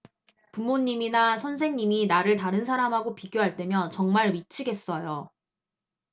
부모님이나 선생님이 나를 다른 사람하고 비교할 때면 정말 미치겠어요